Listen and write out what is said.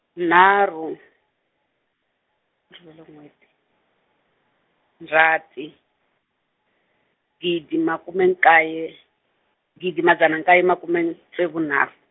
nharhu, ni rivele n'wheti, Ndzhati, gidi makume nkaye, gidi madzana nkaye makume n-, ntsevu nharhu.